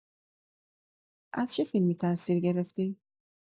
از چه فیلمی تاثیر گرفتی؟